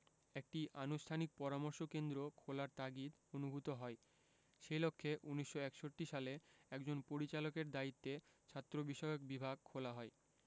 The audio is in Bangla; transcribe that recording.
একটি আনুষ্ঠানিক পরামর্শ কেন্দ্র খোলার তাগিদ অনুভূত হয় সেই লক্ষ্যে ১৯৬১ সালে একজন পরিচালকের দায়িত্বে ছাত্রবিষয়ক বিভাগ খোলা হয়